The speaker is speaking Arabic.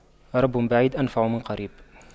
رب بعيد أنفع من قريب